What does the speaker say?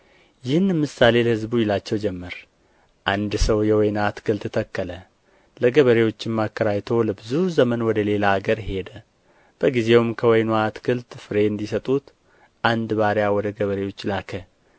ይህንም ምሳሌ ለሕዝቡ ይላቸው ጀመር አንድ ሰው የወይን አትክልት ተከለ ለገበሬዎችም አከራይቶ ለብዙ ዘመን ወደ ሌላ አገር ሄደ በጊዜውም ከወይኑ አትክልት ፍሬ እንዲሰጡት አንድ ባሪያ ወደ ገበሬዎች ላከ